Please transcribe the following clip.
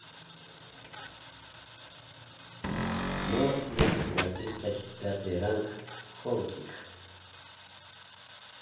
mortiis на тридцать пятый ранг холдик